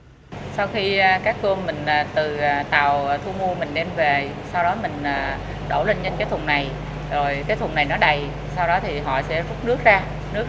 sau khi cá cơm mình là từ tàu thu mua mình đem về sau đó mình là đổ lên cái thùng này rồi cái thùng này nó đầy sau đó thì họ sẽ hút nước ra nước